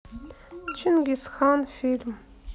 чингисхан фильм